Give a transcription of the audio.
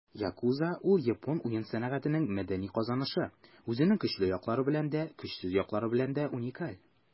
Yakuza - ул япон уен сәнәгатенең мәдәни казанышы, үзенең көчле яклары белән дә, көчсез яклары белән дә уникаль.